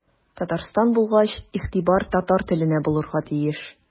Татарстан булгач игътибар татар теленә булырга тиеш.